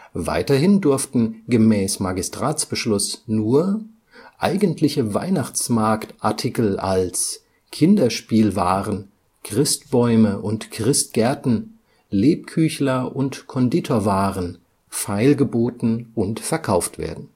Weiterhin durften gemäß Magistratsbeschluss nur eigentliche Weihnachtsmarktartikel, als: Kinderspielwaaren, Christbäume und Christgärten, Lebküchler - und Conditorwaaren … feilgeboten und verkauft werden